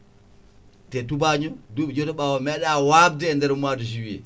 te tubaño duuɓi jooyi ne ɓaawa te meeɗa wabde ender mois :fgra de juillet